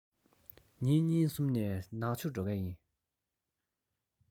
ཉིན གཉིས གསུམ ནས ནག ཆུར འགྲོ གི ཡིན